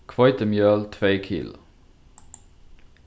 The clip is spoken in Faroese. hveitimjøl tvey kilo